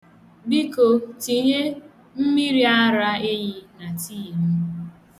Biko, tinyere mmiriara ehi na tii m.